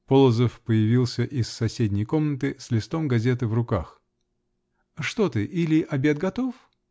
-- Полозов появился из соседней комнаты с листом газеты в руках. -- Что ты? или обед готов?